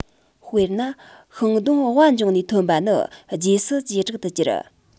དཔེར ན ཤིང སྡོང ལྦ འབྱུང ནས ཐོན པ ནི རྗེས སུ ཇེ དྲག ཏུ གྱུར